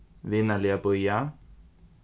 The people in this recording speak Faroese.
vinarliga bíða